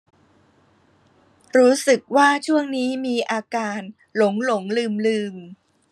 รู้สึกว่าช่วงนี้มีอาการหลงหลงลืมลืม